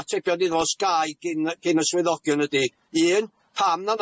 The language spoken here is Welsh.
atebion iddo fo os gai gin y gin y swyddogion os ga i ydi un, pam na